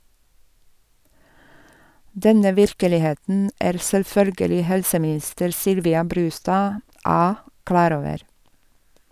Denne virkeligheten er selvfølgelig helseminister Sylvia Brustad (A) klar over.